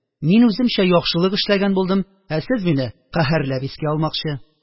Мин үземчә яхшылык эшләгән булдым, ә сез мине каһәрләп искә алмакчы